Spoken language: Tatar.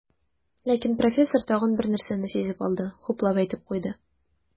Ләкин профессор тагын бер нәрсәне сизеп алды, хуплап әйтеп куйды.